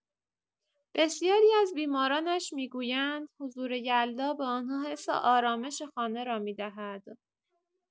بسیاری از بیمارانش می‌گویند حضور یلدا به آنها حس آرامش خانه را می‌دهد.